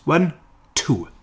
One. Two.